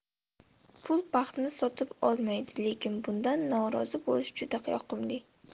pul baxtni sotib olmaydi lekin bundan norozi bo'lish juda yoqimli